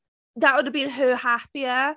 That would have been her happier.